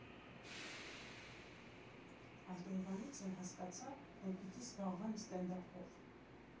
Այդ օրվանից էլ հասկացա, որ պիտի զբաղվեմ ստենդափով։